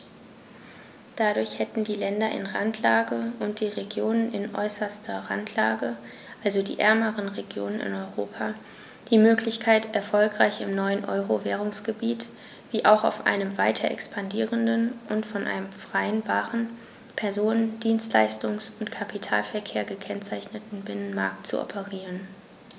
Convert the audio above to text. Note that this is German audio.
Dadurch hätten die Länder in Randlage und die Regionen in äußerster Randlage, also die ärmeren Regionen in Europa, die Möglichkeit, erfolgreich im neuen Euro-Währungsgebiet wie auch auf einem weiter expandierenden und von einem freien Waren-, Personen-, Dienstleistungs- und Kapitalverkehr gekennzeichneten Binnenmarkt zu operieren.